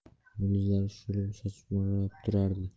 yulduzlar shu'la sochib mo'ralab turardi